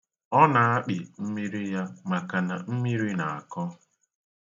Ọ na-akpị mmiri ya maka na mmiri na-akọ.